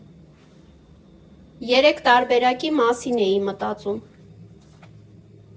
Երեք տարբերակի մասին էի մտածում.